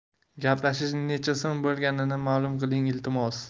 gaplashish necha so'm bo'lganligini ma'lum qiling iltimos